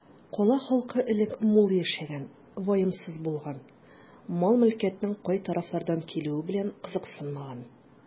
Кала халкы элек мул яшәгән, ваемсыз булган, мал-мөлкәтнең кай тарафлардан килүе белән кызыксынмаган.